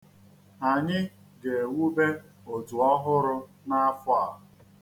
Anyị ga-ewube òtù ọhụrụ n'afọ a.